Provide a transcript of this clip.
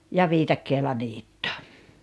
ja viikatteella niitto